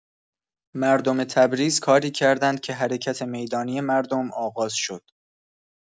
مردم تبریز کاری کردند که حرکت می‌دانی مردم آغاز شد.